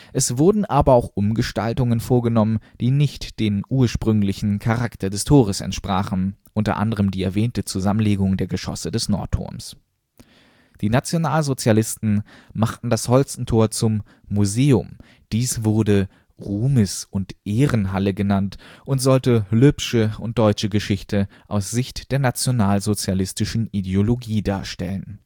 Es wurden aber auch Umgestaltungen vorgenommen, die nicht dem ursprünglichen Charakter des Tores entsprachen, unter anderem die erwähnte Zusammenlegung der Geschosse des Nordturms. Die Nationalsozialisten machten das Holstentor zum Museum. Dies wurde Ruhmes - und Ehrenhalle genannt und sollte lübsche und deutsche Geschichte aus Sicht der nationalsozialistischen Ideologie darstellen